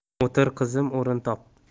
o'tir qizim o'rin top